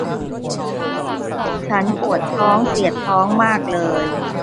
ฉันปวดท้องเสียดท้องมากเลย